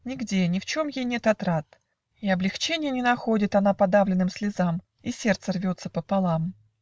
Нигде, ни в чем ей нет отрад, И облегченья не находит Она подавленным слезам, И сердце рвется пополам.